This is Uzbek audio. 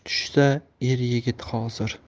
tushsa er yigit hozir